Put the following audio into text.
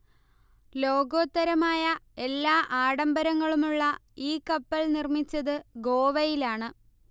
ലോകോത്തരമായ എല്ലാ ആഡംബരങ്ങളുമുള്ള ഈ കപ്പൽ നിർമ്മിച്ചത് ഗോവയിലാണ്